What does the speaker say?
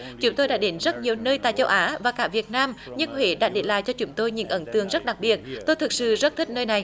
chúng tôi đã đến rất nhiều nơi tại châu á và cả việt nam nhưng huế đã để lại cho chúng tôi những ấn tượng rất đặc biệt tôi thực sự rất thích nơi này